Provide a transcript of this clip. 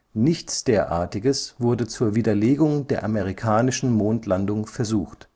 Nichts Derartiges wurde zur Widerlegung der amerikanischen Mondlandung versucht